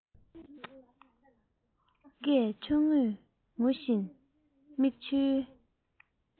སྐད ཆུང ངུས ངུ བཞིན མིག ཆུའི